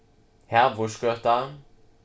havursgøta